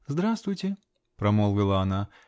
-- Здравствуйте, -- промолвила она.